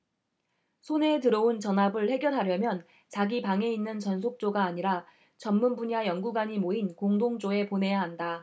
손에 들어온 전합을 해결하려면 자기 방에 있는 전속조가 아니라 전문분야 연구관이 모인 공동조에 보내야 한다